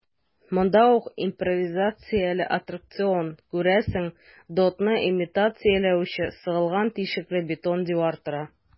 Монда ук импровизацияле аттракцион - күрәсең, дотны имитацияләүче сыгылган тишекле бетон дивар тора.